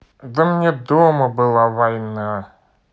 да мне дома была война